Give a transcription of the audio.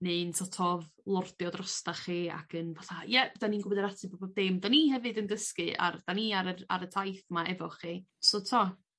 neu'n so't of lordio drostach chi ac yn fatha ia 'dan ni'n gwbod yr atab i bob dim 'dan ni hefyd yn dysgu ar 'dan ni ar yr ar y taith 'ma efo chi. So t'o'